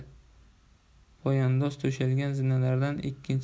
poyandoz to'shalgan zinalardan ikkinchi